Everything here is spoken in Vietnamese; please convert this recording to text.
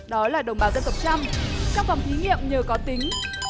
đó là đồng bào dân tộc chăm trong phòng thí nghiệm nhờ có tính